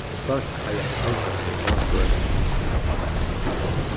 fólk eiga at halda seg á gøtuni